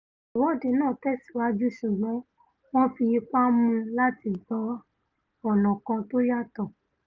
Ìwọ́de náà tẹ̀síwájú ṣùgbọn wọ́n fi ipá mú un láti gba ọ̀nà kan tó yàtọ̀.